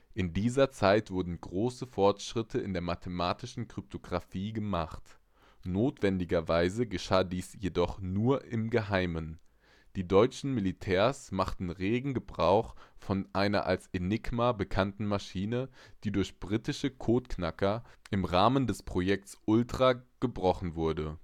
In dieser Zeit wurden große Fortschritte in der mathematischen Kryptographie gemacht. Notwendigerweise geschah dies jedoch nur im Geheimen. Die deutschen Militärs machten regen Gebrauch von einer als ENIGMA bekannten Maschine, die durch britische Codeknacker im Rahmen des Projekts „ Ultra “gebrochen wurde